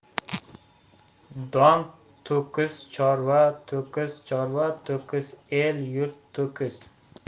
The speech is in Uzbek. don to'kis chorva to'kis chorva to'kis el yurt to'kis